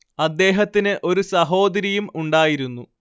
അദ്ദേഹത്തിന് ഒരു സഹോദരിയും ഉണ്ടായിരുന്നു